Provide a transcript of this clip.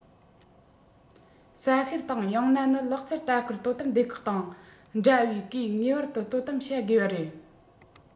ས བཤེར དང ཡང ན ནི ལག རྩལ ལྟ སྐུལ དོ དམ སྡེ ཁག དང འདྲ བའི གིས ངེས པར དུ དོ དམ བྱ དགོས པ རེད